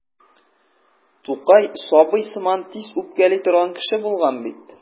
Тукай сабый сыман тиз үпкәли торган кеше булган бит.